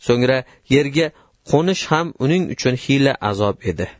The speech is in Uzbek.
so'ngra yerga qo'nish ham uning uchun xiyla azob edi